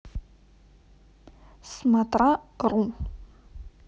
смотра ру